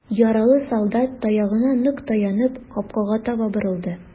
Яралы солдат, таягына нык таянып, капкага таба борылды.